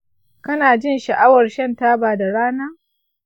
kana jin sha'awar shan taba da rana?